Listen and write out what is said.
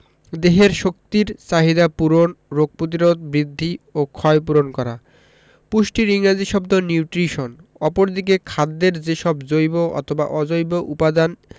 দেহের শক্তির চাহিদা পূরণ রোগ প্রতিরোধ বৃদ্ধি ও ক্ষয়পূরণ করা পুষ্টির ইংরেজি শব্দ নিউট্রিশন অপরদিকে খাদ্যের যেসব জৈব অথবা অজৈব উপাদান